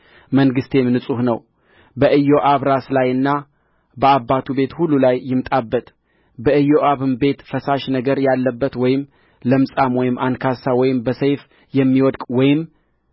መንግሥቴም ንጹሕ ነው በኢዮአብ ራስ ላይና በአባቱ ቤት ሁሉ ላይ ይምጣበት በኢዮአብም ቤት ፈሳሽ ነገር ያለበት ወይም ለምጻም ወይም አንካሳ ወይም በሰይፍ የሚወድቅ ወይም